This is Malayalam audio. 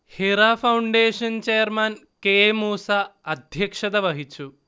Hira foundation chairman K. Moosa അധ്യക്ഷത വഹിച്ചു